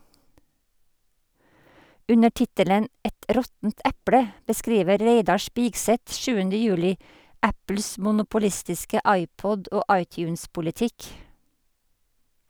Under tittelen "Et råttent eple" beskriver Reidar Spigseth 7. juli Apples monopolistiske iPod- og iTunes-politikk.